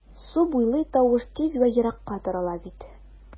Су буйлый тавыш тиз вә еракка тарала бит...